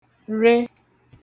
re